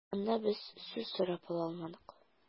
Анда без сүз сорап ала алмадык.